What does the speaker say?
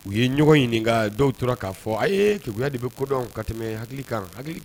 U ye ɲɔgɔn ɲininka dɔw tora k'a fɔ a ye kegunya de bɛ ko dɔn ka tɛmɛ hakili kan, hakili